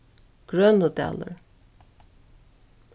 grønudalur